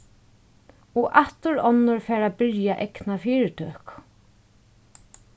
og aftur onnur fara at byrja egna fyritøku